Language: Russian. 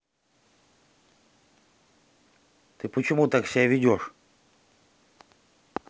ты почему так себя ведешь